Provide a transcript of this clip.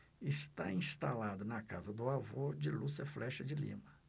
está instalado na casa do avô de lúcia flexa de lima